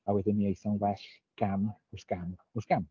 A wedyn mi eith o'n well, gam wrth gam wrth gam.